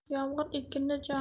yomg'ir ekinning joni